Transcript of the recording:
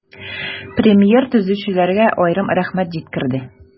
Премьер төзүчеләргә аерым рәхмәт җиткерде.